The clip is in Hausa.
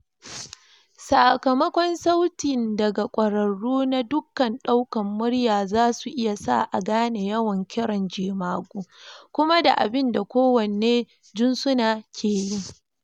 Sakamakon sautin daga kwararru na dukkan daukan muryan za su iya sa a gane yawan kiran jemagu kuma da abin da kowane jinsuna ke yi.